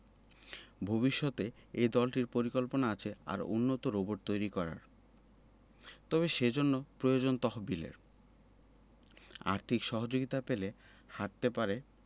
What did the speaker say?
ভবিষ্যতে এই দলটির পরিকল্পনা আছে আরও উন্নত রোবট তৈরি করার তবে সেজন্য প্রয়োজন তহবিলের আর্থিক সহযোগিতা পেলে হাটতে পারে